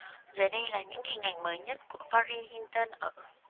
dưới đây là những hình ảnh mới nhất của paris hilton ở